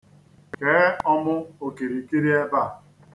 Kee ọmụ okirikiri ebe a.